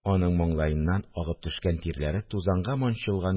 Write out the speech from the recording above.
Аның маңлаеннан агып төшкән тирләре, тузанга манчылган